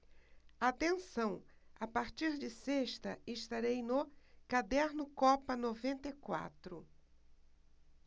atenção a partir de sexta estarei no caderno copa noventa e quatro